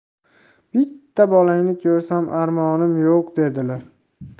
bitta bolangni ko'rsam armonim yo'q derdilar